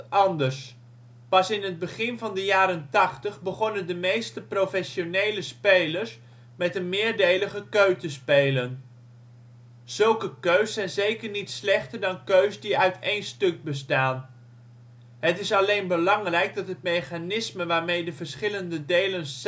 anders. Pas in het begin van de jaren 80 begonnen de meeste professionele spelers met een meerdelige keu te spelen. Zulke keus zijn zeker niet slechter dan keus die uit één stuk bestaan. Het is alleen belangrijk dat het mechanisme waarmee de verschillende delen